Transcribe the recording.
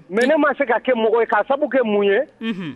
Mɛ ne ma se ka kɛ mɔgɔ ye kaa sabu kɛ mun ye